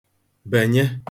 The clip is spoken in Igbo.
bènye